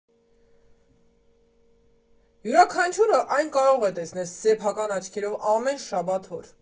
Յուրաքանչյուրը այն կարող է տեսնել սեփական աչքերով ամեն շաբաթ օր։